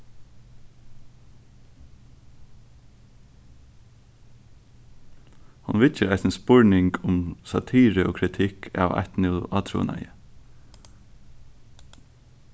hon viðger eisini spurning um satiru og kritikk av eitt nú átrúnaði